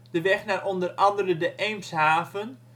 de weg naar onder andere de Eemshaven